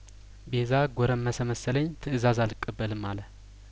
ቤዛ ጐረመሰ መሰለኝ ትእዛዝ አልቀበልም አለ